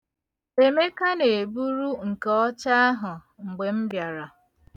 Emeka na-eburu nke ọcha ahụ mgbe m bịara.